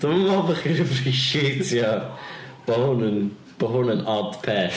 Dwi'm yn meddwl bod chi'n yprîsietio bod hwn yn bod hwn yn od peth.